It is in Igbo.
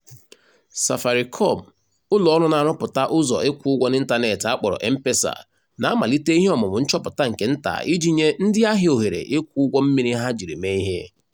Safaricom, ụlọ ọrụ na-arụpụta ụzọ ịkwụ ụgwọ n'ịtanetị akpọrọ M-Pesa, na-amalite ihe ọmụmụ nchọpụta nke nta iji nye ndị ahịa ohere ịkwụ ụgwọ mmiri ha jiri mee ihe.